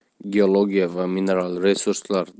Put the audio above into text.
geologiya va mineral resurslar